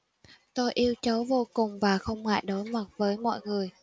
tôi yêu cháu vô cùng và không ngại đối mặt với mọi người